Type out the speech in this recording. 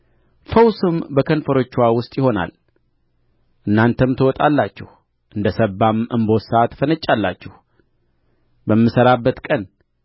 ፈውስም በክንፎችዋ ውስጥ ይሆናል እናንተም ትወጣላችሁ እንደ ሰባም እምቦሳ ትፈነጫላችሁ በምሠራበት ቀን